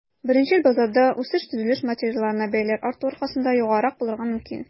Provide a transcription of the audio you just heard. Беренчел базарда үсеш төзелеш материалларына бәяләр арту аркасында югарырак булырга мөмкин.